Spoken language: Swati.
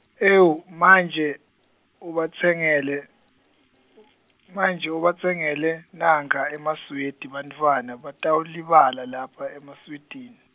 ewu, manje, ubatsengele , manje ubatsengele, nankha emaswidi bantfwana batawulibala lapha emaswidini.